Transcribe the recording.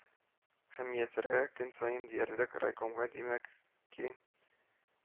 Һәм Мияссәрәгә көн саен диярлек райкомга, димәк ки